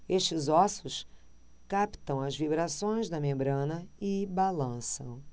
estes ossos captam as vibrações da membrana e balançam